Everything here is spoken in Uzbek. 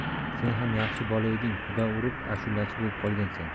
sen ham yaxshi bola eding xudo urib ashulachi bo'lib qolgansan